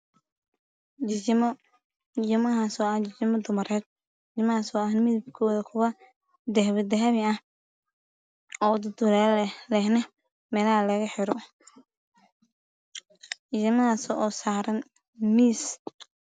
Waa labo jijin oo midabkoodu yahay dahabi waxa ay sahlan yihiin miis caddaan